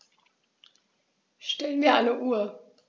Stell mir eine Uhr.